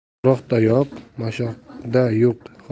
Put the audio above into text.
o'roqdayo'q mashoqda yo'q